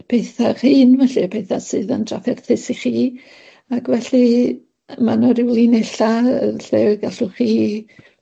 petha'ch hun felly y petha sydd yn drafferthus i chi ac felly yy ma' na ryw linella' yy lle y gallwch chi